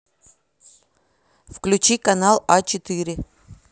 включи канал а четыре